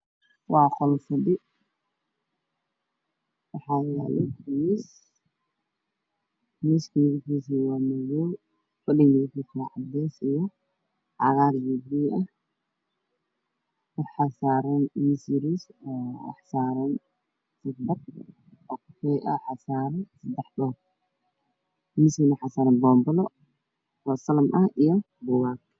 Waa qol fadhi waxaa yaalo tarmuus tarmuuska midabkiisu waa madow fadhiga wuxuu isugu jiraa cadeys io cagaar baluug baluug ah waxa yaalo miis yariis ah waxna saaran xulbad oo kafee ah waxaa oaloo saaran boonbale oo sanam ah iyo buugaag